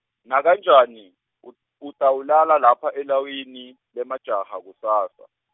nakanjani, ut- utawulala lapha elawini, lemajaha, kusasa.